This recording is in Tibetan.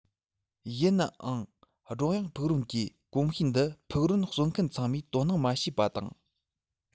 ཡིན ནའང སྒྲོ གཡེང ཕུག རོན གྱི གོམས གཤིས འདི ཕུག རོན གསོ མཁན ཚང མས དོ སྣང མ བྱས པ དང